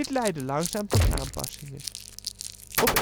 leidde langzaam tot aanpassingen: op